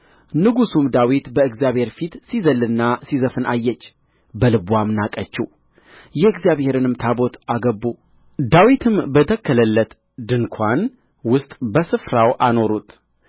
ንጉሡም ዳዊት በእግዚአብሔር ፊት ሲዘልልና ሲዘፍን አየች በልብዋም ናቀችው የእግዚአብሔርንም ታቦት አገቡ ዳዊትም በተከለለት ድንኳን ውስጥ በስፍራው አኖሩት